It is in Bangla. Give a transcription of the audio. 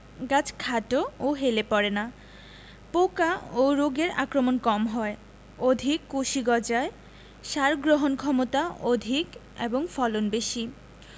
গাছ খাটো ও হেলে পড়ে না পোকা ও রোগের আক্রমণ কম হয় অধিক কুশি গজায় সার গ্রহণক্ষমতা অধিক এবং ফলন বেশি